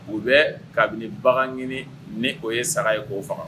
U bɛ kabini bagan ɲini ni o ye sara ye k faga